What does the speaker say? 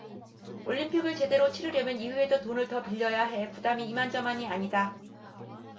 올림픽을 제대로 치르려면 이후에도 돈을 더 빌려야 해 부담이 이만저만이 아니다